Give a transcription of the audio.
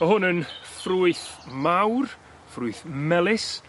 ma' hwn yn ffrwyth mawr ffrwyth melys